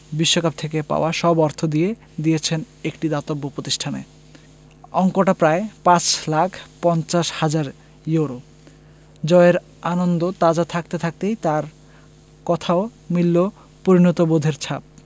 বিশ্বকাপ থেকে পাওয়া সব অর্থ দিয়ে দিয়েছেন একটা দাতব্য প্রতিষ্ঠানে অঙ্কটা প্রায় ৫ লাখ ৫০ হাজার ইউরো জয়ের আনন্দ তাজা থাকতে থাকতেই তাঁর কথায়ও মিলল পরিণতিবোধের ছাপ